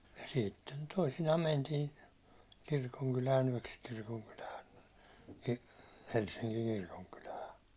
ja sitten toisinaan mentiin kirkonkylään yöksi kirkonkylään Helsingin kirkonkylään